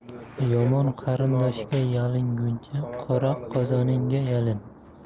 yomon qarindoshga yalinguncha qora qozoningga yalin